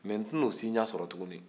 mais n tɛn'o si ɲɛsɔrɔ tugunni